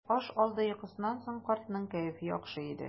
Аш алды йокысыннан соң картның кәефе яхшы иде.